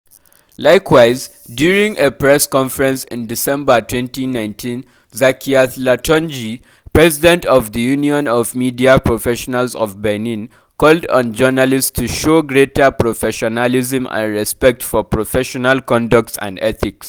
Likewise, during a press conference in December 2019, Zakiath Latondji , president of the Union of Media Professionals of Benin (UPMB), called on journalists to show greater professionalism and respect for professional conduct and ethics.